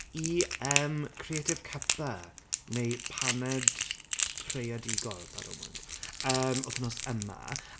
i yym "Creative Cuppa", neu "paned preiadigol", that don't work yym wthnos yma...